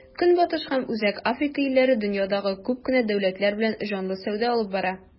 Көнбатыш һәм Үзәк Африка илләре дөньядагы күп кенә дәүләтләр белән җанлы сәүдә алып бара.